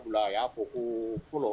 A y'a fɔ ko fɔlɔ